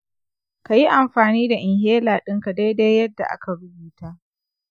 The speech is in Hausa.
ka yi amfani da inhaler ɗinka daidai yadda aka rubuta.